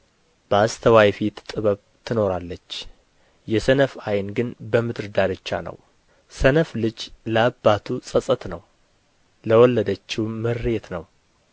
በአስተዋይ ፊት ጥበብ ትኖራለች የሰነፍ ዓይን ግን በምድር ዳርቻ ነው ሰነፍ ልጅ ለአባቱ ፀፀት ነው ለወለደችውም ምሬት ነው